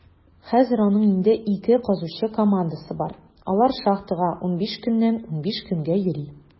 Хәзер аның инде ике казучы командасы бар; алар шахтага 15 көннән 15 көнгә йөри.